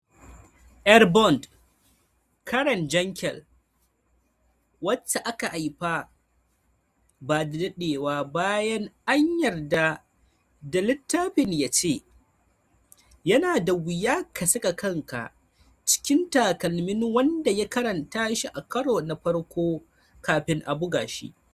‘yar Bond, Karen Jankel, wacca aka haifa ba da daɗewa ba bayan an yarda da littafin, ya ce: "Yana da wuya ka saka kanka cikin takalmin wanda ya karanta shi a karo na farko kafin a buga shi.